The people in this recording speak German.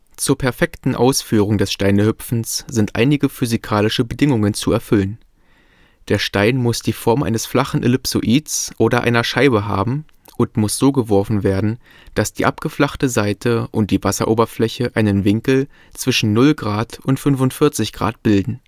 Zur perfekten Ausführung des Steinehüpfens sind einige physikalische Bedingungen zu erfüllen. Der Stein muss die Form eines flachen Ellipsoids oder einer Scheibe haben und muss so geworfen werden, dass die abgeflachte Seite und die Wasseroberfläche einen Winkel zwischen 0° und 45° bilden